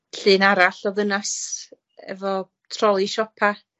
llun arall o ddynas efo troli siopa